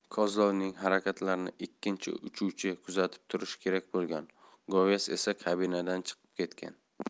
kozlovning harakatlarini ikkinchi uchuvchi kuzatib turishi kerak bo'lgan govyaz esa kabinadan chiqib ketgan